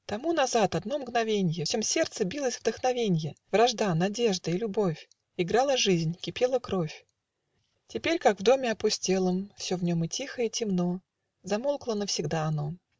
Тому назад одно мгновенье В сем сердце билось вдохновенье, Вражда, надежда и любовь, Играла жизнь, кипела кровь, - Теперь, как в доме опустелом, Все в нем и тихо и темно Замолкло навсегда оно.